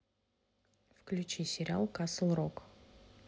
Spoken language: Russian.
включи сериал касл рок